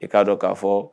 I k'a dɔn k'a fɔ